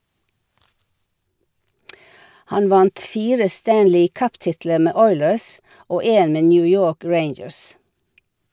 Han vant fire Stanley Cup-titler med Oilers, og en med New York Rangers.